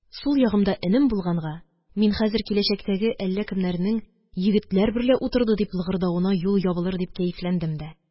Сул ягымда энем булганга, мин хәзер киләчәктәге әллә кемнәрнең «егетләр берлә утырды» дип лыгырдавына юл ябылыр дип кәефләндем дә